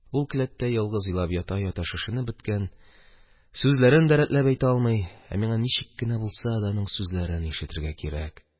Ул келәттә ялгыз елап ята-ята шешенеп беткән, сүзләрен дә рәтләп әйтә алмый, ә миңа ничек кенә булса да аның сүзләрен ишетергә кирәк